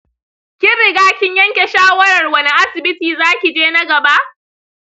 kin riga kin yanke shawarar wane asibiti za ki je na gaba?